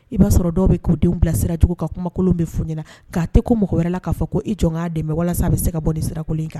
I b'a sɔrɔ dɔw bɛ k'u denw bilasiracogo ka kumakolon bɛ f ɲɛna k'a tɛ ko mɔgɔ wɛrɛ la k'a fɔ ko i jɔn k'a dɛmɛ walasa a bɛ se ka bɔ nin sirakolon in kan